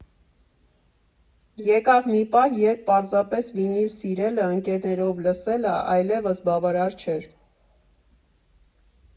Եկավ մի պահ, երբ պարզապես վինիլ սիրելը, ընկերներով լսելը այլևս բավարար չէր։